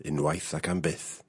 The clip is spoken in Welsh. ...unwaith ac am byth.